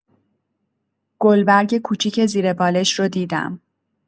گلبرگ کوچیک زیر بالش رو دیدم.